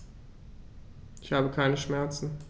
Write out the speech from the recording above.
Ich habe keine Schmerzen.